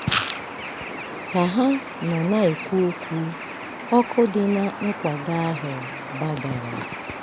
Ka ha nọ na-ekwu okwu, ọkụ dị na nkwago ahụ gbadara.